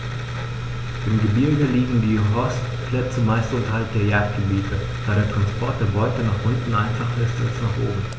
Im Gebirge liegen die Horstplätze meist unterhalb der Jagdgebiete, da der Transport der Beute nach unten einfacher ist als nach oben.